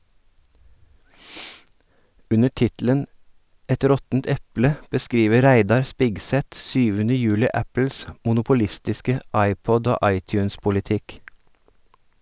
Under tittelen "Et råttent eple" beskriver Reidar Spigseth 7. juli Apples monopolistiske iPod- og iTunes-politikk.